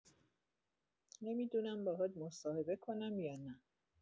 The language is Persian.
نمی‌دونم باهات مصاحبه کنم یا نه.